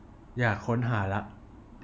อยากค้นหาละ